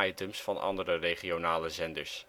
items van andere regionale zenders